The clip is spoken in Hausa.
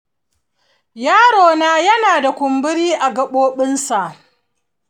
yaro na yana da kumburi a gaɓoɓinsa.